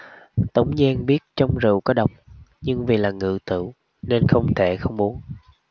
tống giang biết trong rượu có độc nhưng vì là ngự tửu nên không thể không uống